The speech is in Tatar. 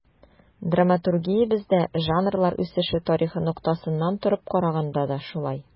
Драматургиябездә жанрлар үсеше тарихы ноктасынан торып караганда да шулай.